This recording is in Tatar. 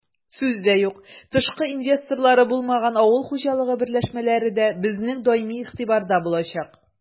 Сүз дә юк, тышкы инвесторлары булмаган авыл хуҗалыгы берләшмәләре дә безнең даими игътибарда булачак.